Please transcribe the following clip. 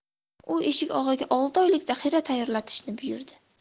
u eshik og'aga olti oylik zaxira tayyorlatishni buyurdi